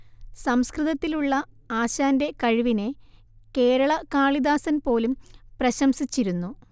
സംസ്കൃതത്തിലുള്ള ആശാന്റെ കഴിവിനെ കേരള കാളിദാസൻ പോലും പ്രശംസിച്ചിരുന്നു